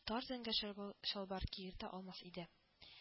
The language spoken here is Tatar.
Тар зәңгәр чарбал чалбар кигертә алмас иде